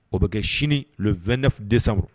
O bɛ kɛ sini 2ɛf desa